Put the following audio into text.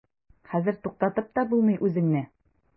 Хәзер туктатып та булмый үзеңне.